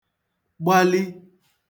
gbali